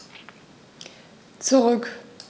Zurück.